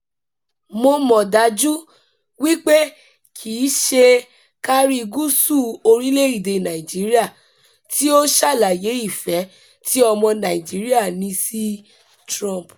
Mo mọ̀ dájú wípé kì í ṣe káríi gúúsù orílẹ̀-èdèe Nàìjíríà, tí ó ṣàlàyé ìfẹ́ tí ọmọ Nàìjíríà ní sí Trump.